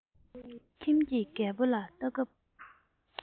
ཁྱིམ གྱི རྒད པོ ལ ལྟ སྐབས